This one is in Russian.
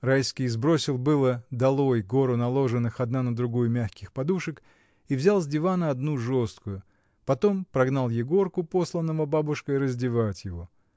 Райский сбросил было долой гору наложенных одна на другую мягких подушек и взял с дивана одну жесткую, потом прогнал Егорку, посланного бабушкой раздевать его.